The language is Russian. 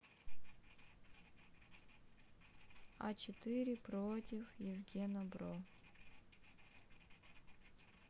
а четыре против евгена бро